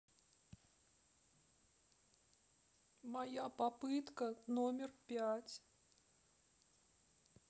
моя попытка номер пять